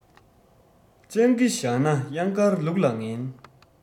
སྤྱང ཀི བཞག ན གཡང དཀར ལུག ལ ངན